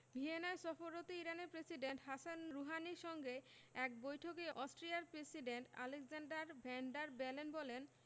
ভিয়েনায় সফররত ইরানের প্রেসিডেন্ট হাসান রুহানির সঙ্গে এক বৈঠকে অস্ট্রিয়ার president Alexander van der Bellen বলেন